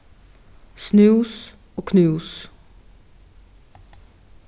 snús og knús